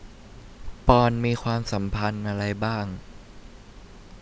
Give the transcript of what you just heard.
ปอนด์มีความสัมพันธ์อะไรบ้าง